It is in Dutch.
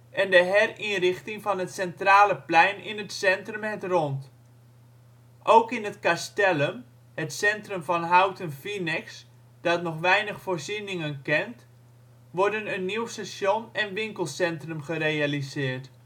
en de herinrichting van het centrale plein in het centrum Het Rond. Ook in het Castellum - het centrum van Houten-Vinex dat nog weinig voorzieningen kent - worden een nieuw station en winkelcentrum gerealiseerd